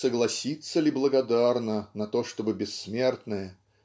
Согласиться ли благодарно на то чтобы бессмертное